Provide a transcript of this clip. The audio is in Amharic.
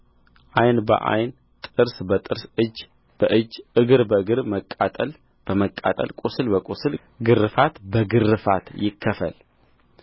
ዓይን በዓይን ጥርስ በጥርስ እጅ በእጅ እግር በእግር መቃጠል በመቃጠል ቍስል በቍስል ግርፋት በግርፋት ይከፈል